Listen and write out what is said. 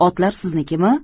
otlar siznikimi